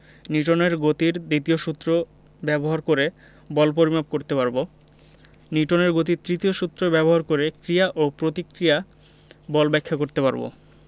নিউটনের গতির দ্বিতীয় সূত্র ব্যবহার করে বল পরিমাপ করতে পারব নিউটনের গতির তৃতীয় সূত্র ব্যবহার করে ক্রিয়া ও প্রতিক্রিয়া বল ব্যাখ্যা করতে পারব